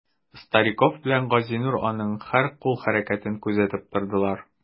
Стариков белән Газинур аның һәр кул хәрәкәтен күзәтеп тордылар.